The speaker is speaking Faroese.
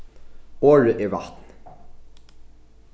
orðið er vatn